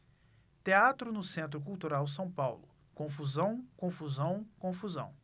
teatro no centro cultural são paulo confusão confusão confusão